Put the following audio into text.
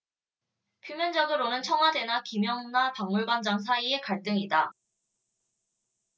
표면적으로는 청와대와 김영나 박물관장 사이의 갈등이다